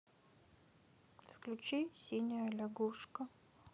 включи синяя лягушка